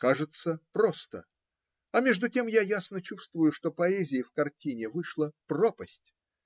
кажется, просто, а между тем я ясно чувствую, что поэзии в картине вышло пропасть.